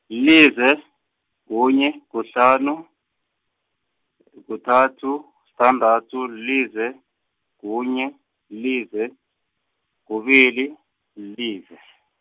lilize, kunye, kuhlanu, kuthathu, sithandathu, lilize, kunye, lilize, kubili, lilize.